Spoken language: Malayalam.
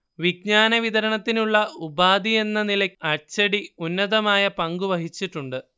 വിജ്ഞാന വിതരണത്തിനുള്ള ഉപാധിയെന്ന നിലയ്ക്ക് അച്ചടി ഉന്നതമായ പങ്കുവഹിച്ചിട്ടുണ്ട്